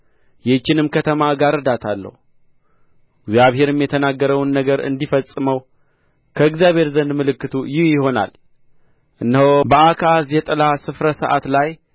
ይህችንም ከተማ እጋርዳታለሁ እግዚአብሔርም የተገረውን ነገር እንዲፈጽመው ከእግዚአብሔር ዘንድ ምልክቱ ይህ ይሆንልሃል እነሆ በአካዝ የጥላ ስፍረ ሰዓት ላይ